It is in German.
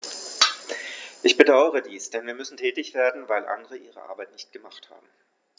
Ich bedauere dies, denn wir müssen tätig werden, weil andere ihre Arbeit nicht gemacht haben.